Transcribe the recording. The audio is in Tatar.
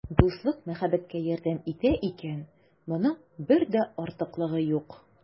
Дуслык мәхәббәткә ярдәм итә икән, моның бер дә артыклыгы юк.